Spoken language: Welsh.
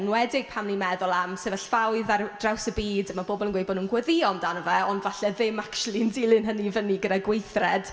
Enwedig pam ni'n meddwl am sefyllfaoedd ar w- draws y byd. Mae bobl yn dweud bo' nhw'n gweddïo amdano fe, ond falle ddim acshyli'n dilyn hynny fyny gyda gweithred.